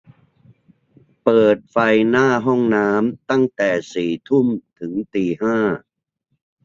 เปิดไฟหน้าห้องน้ำตั้งแต่สี่ทุ่มถึงตีห้า